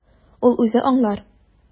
Ул үзе аңлар.